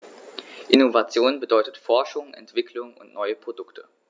Innovation bedeutet Forschung, Entwicklung und neue Produkte.